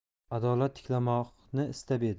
adolat tiklamoqni istab edi